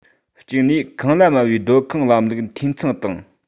གཅིག ནས ཁང གླ དམའ བའི སྡོད ཁང ལམ ལུགས འཐུས ཚང བཏང